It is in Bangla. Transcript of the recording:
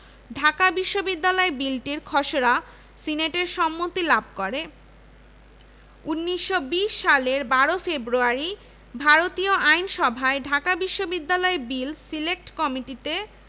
ভারতীয় বিধানসভায় উত্থাপিত হয় সরকারি মুখপাত্র শঙ্কর নারায়ণ জানান যে সরকার ঢাকা বিশ্ববিদ্যালয় পরিকল্পনা বাস্তবায়নে বদ্ধপরিকর